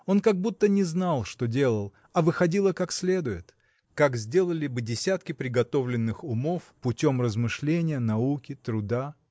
Он как будто не знал, что делал, а выходило как следует, как сделали бы десятки приготовленных умов, путем размышления, науки, труда.